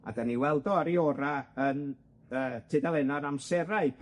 a 'dan ni weld o ar 'i ora' yn yy tudalenna'r amserau,